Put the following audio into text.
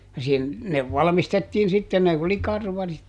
ja - ne valmistettiin sitten ne oli karvarit